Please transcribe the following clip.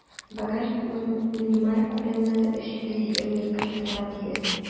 Багажникның минималь күләме 322 литрга тигез.